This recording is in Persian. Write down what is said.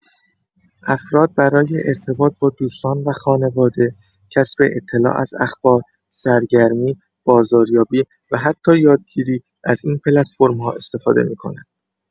افراد برای ارتباط با دوستان و خانواده، کسب اطلاع از اخبار، سرگرمی، بازاریابی و حتی یادگیری از این پلتفرم‌ها استفاده می‌کنند.